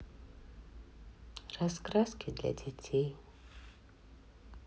раскраски для детей